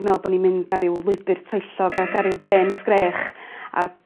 'di me'wl bo' ni'n mynd ar ryw lwybyr troellog ac ar yw drên sgrech a